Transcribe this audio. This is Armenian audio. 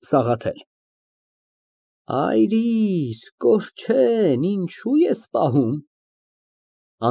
ՍԱՂԱԹԵԼ ֊ Այրիր, կորչեն, ինչո՞ւ ես պահում։